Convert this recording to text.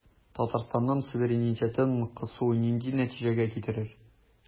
Татарстанның суверенитетын кысу нинди нәтиҗәгә китерер?